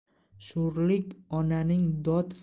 sho'rlik onaning dod